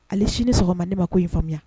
Hali sini sɔgɔma ne ma ko ye faamuya